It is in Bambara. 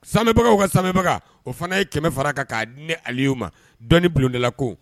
Sabagaw ka sabagaw o fana ye kɛmɛ fara kan k'a di ali'o ma dɔ bulondala ko